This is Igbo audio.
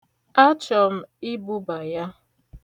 Achọ m ibuba ya.